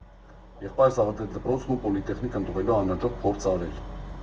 Եղբայրս ավարտել է դպրոցն ու պոլիտեխնիկ ընդունվելու անհաջող փորձ արել։